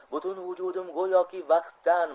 butun vujudim go'yoki vaqtdan